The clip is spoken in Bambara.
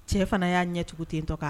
Cɛ fana y'a ɲɛ tugu ten tɔ ka